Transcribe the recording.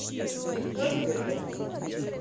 тоже люблю